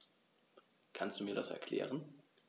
Kannst du mir das erklären?